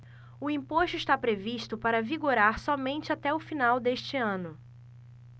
o imposto está previsto para vigorar somente até o final deste ano